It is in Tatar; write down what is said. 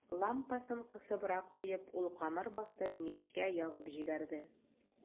Лампасын кысыбрак куеп, ул камыр басты, мичкә ягып җибәрде.